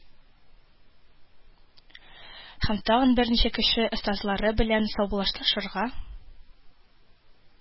Һәм тагын берничә кеше остазлары белән саубуллашырга